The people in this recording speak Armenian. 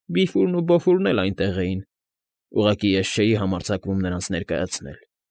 Բիֆուրն ու Բոֆուրն էլ այնտեղ էին։ Ուղղակի ես չէի համարձակվում նրանց ներկայացնել։